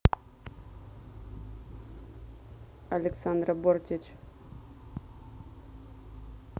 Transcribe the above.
александра бортич